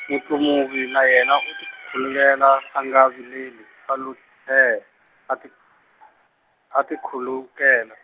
Mutlumuvi na yena u tikhulukela a nga vileli a lo ntsee a ti- , a tikhulukela.